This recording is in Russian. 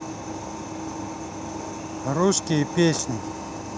русские песни